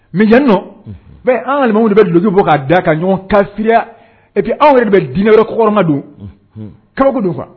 Mais yan nɔn bɛ an la alimamiw de bi duloki bɔ ka da ka ɲɔgɔn kafiriya et puis anw yɛrɛ de bɛ diinɛ wɛrɛ kɔ kɔrɔma don. Kabako don